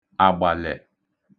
àgbàlè